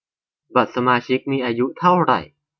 บัตรสมาชิกมีอายุเท่าไหร่